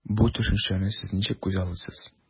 Бу төшенчәне сез ничек күзаллыйсыз?